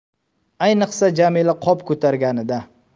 ayniqsa jamila qop ko'targanida